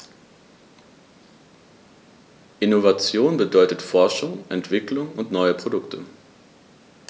Innovation bedeutet Forschung, Entwicklung und neue Produkte.